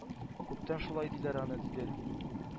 -күптән шулай диләр аны,- диде.